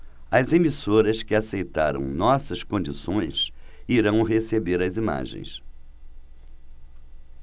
as emissoras que aceitaram nossas condições irão receber as imagens